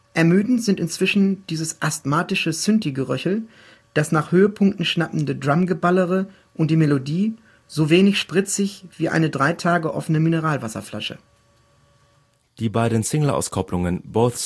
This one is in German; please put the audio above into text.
Ermüdend sind inzwischen dieses asthmatische Synthi-Geröchel, das nach Höhepunkten schnappende Drum-Geballere und die Melodie, so wenig spritzig wie eine drei Tage offene Mineralwasserflasche. “Die beiden Single-Auskopplungen Both